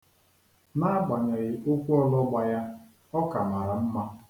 N'agbanyeghị ụkwụologba ya, ọ ka mara mma.